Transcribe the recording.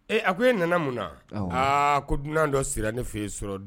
Ee a ko e nana mun na aa ko dunan dɔ sira ne fe yen sɔrɔ.